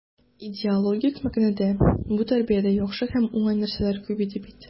Идеологик мәгънәдә бу тәрбиядә яхшы һәм уңай нәрсәләр күп иде бит.